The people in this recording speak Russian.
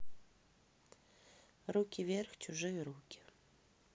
руки вверх чужие руки